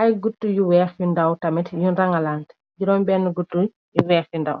ay gutt yu weex yu ndaw tamit yu rangalante jiroom benne guttu yu weex yu ndaw.